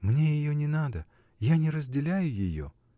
— Мне ее не надо: я не разделяю ее.